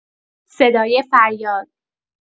صدای فریاد